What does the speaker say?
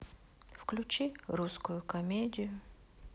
включи русскую комедию